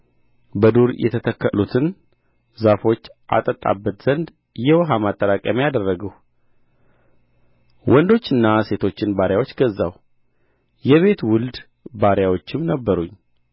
በዱር የተተከሉትን ዛፎች አጠጣበት ዘንድ የውኃ ማጠራቀሚያ አደረግሁ ወንዶችንና ሴቶችን ባሪያዎች ገዛሁ የቤት ውልድ ባሪያዎችም ነበሩኝ